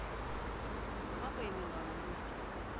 папа и милана мультик